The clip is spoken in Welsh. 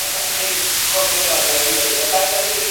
O lle o'dda chi'n codi'r gwarthaig i fyny o Gaergybi?